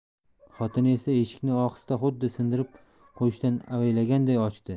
xotini esa eshikni ohista xuddi sindirib qo'yishdan avaylaganday ochdi